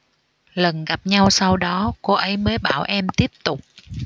lần gặp nhau sau đó cô ấy mới bảo em tiếp tục